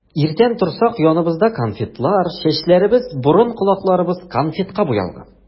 Иртән торсак, яныбызда конфетлар, чәчләребез, борын-колакларыбыз конфетка буялган.